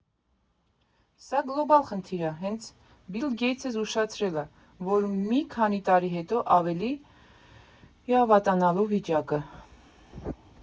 Սա գլոբալ խնդիր ա, հեն ա՝ Բիլ Գեյթսը զգուշացրել ա, որ մի քանի տարի հետո ավելի ա վատանալու վիճակը։